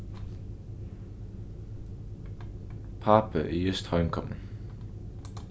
pápi er júst heimkomin